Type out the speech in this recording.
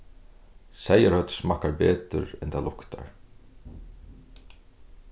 seyðarhøvd smakkar betur enn tað luktar